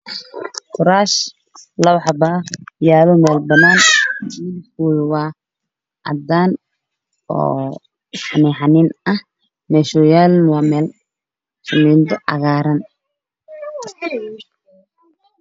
Waa kuraas labo xabo ah oo meel banaan ah yaalo